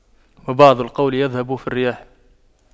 وبعض القول يذهب في الرياح